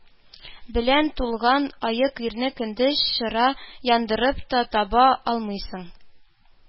Белән тулган, аек ирне көндез чыра яндырып та таба алмыйсың